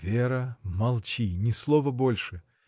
— Вера, — молчи, ни слова больше!